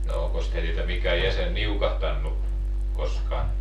no onkos teiltä mikään jäsen niukahtanut koskaan